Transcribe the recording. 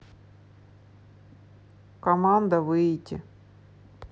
команда выйти